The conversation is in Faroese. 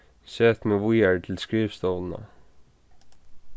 set meg víðari til skrivstovuna